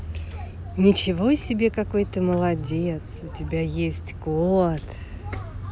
ничего себе какой ты молодец у тебя есть кот